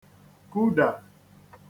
kudà